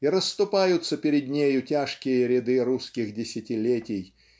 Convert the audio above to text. и расступаются перед нею тяжкие ряды русских десятилетий